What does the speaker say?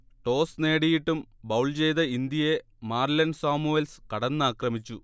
toss നേടിയിട്ടും bowl ചെയ്ത ഇന്ത്യയെ മാർലൺ സാമുവൽസ് കടന്നാക്രമിച്ചു